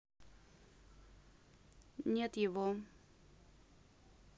нет его